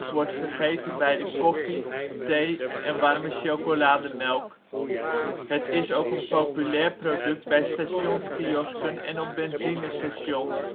wordt gegeten bij de koffie, thee en warme chocolademelk. Het is ook een populair product bij stationskiosken en op benzinestations